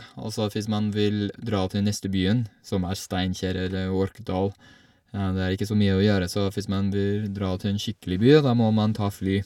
Og så hvis man vil dra til neste byen, som er Steinkjer eller Orkdal, ja, det er ikke så mye å gjøre, så hvis man vil dra til en skikkelig by, da må man ta fly.